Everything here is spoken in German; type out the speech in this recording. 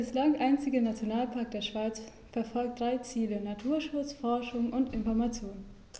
Der bislang einzige Nationalpark der Schweiz verfolgt drei Ziele: Naturschutz, Forschung und Information.